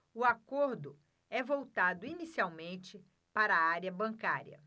o acordo é voltado inicialmente para a área bancária